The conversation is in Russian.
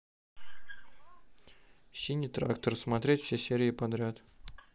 синий трактор смотреть все серии подряд